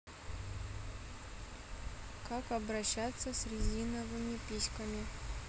как обращаться с резиновыми письками